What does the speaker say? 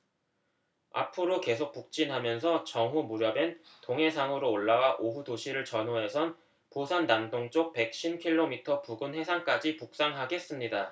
앞으로 계속 북진하면서 정오 무렵엔 동해상으로 올라와 오후 두 시를 전후해선 부산 남동쪽 백 쉰 킬로미터 부근 해상까지 북상하겠습니다